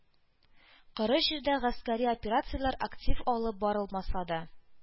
Коры җирдә гаскәри операцияләр актив алып барылмаса да